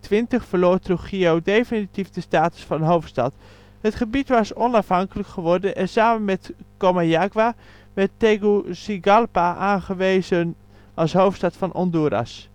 1820 verloor Trujillo definitief de status van hoofdstad. Het gebied was onafhankelijk geworden en samen met Comayagua werd Tegucigalpa aangewezen als hoofdstad van Honduras